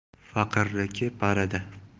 faqirniki panada